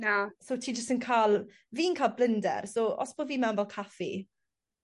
Na. So ti jyst yn ca'l fi'n ca'l blinder so os bo' fi mewn fel caffi